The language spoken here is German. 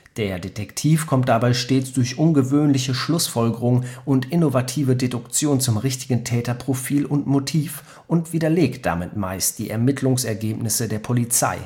Der Detektiv kommt dabei stets durch ungewöhnliche Schlussfolgerungen und innovative Deduktionen zum richtigen Täterprofil und Motiv und widerlegt damit meist die Ermittlungsergebnisse der Polizei